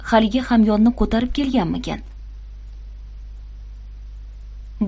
haligi hamyonni ko'tarib kelganmikin